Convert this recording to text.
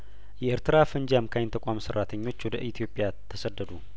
የኤርትራ ፈንጂ አምካኝ ተቋም ሰራተኞች ወደ ኢትዮጵያ ተሰደዱ